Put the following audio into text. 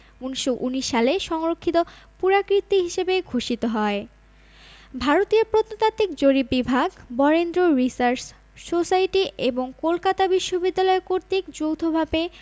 ১৯১৯ সালে সংরক্ষিত পুরাকীর্তি হিসেবে ঘোষিত হয় ভারতীয় প্রত্নতাত্ত্বিক জরিপ বিভাগ বরেন্দ্র রিসার্চ সোসাইটি এবং কলকাতা বিশ্ববিদ্যালয় কর্তৃক যৌথভাবে